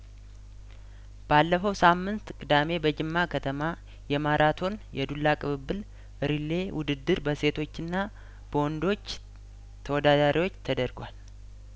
ባለፈው ሳምንት ቅዳሜ በጅማ ከተማ የማራቶን የዱላ ቅብብል ሪሌ ውድድር በሴቶችና በወንዶች ተወዳዳሪዎች ተደርጓል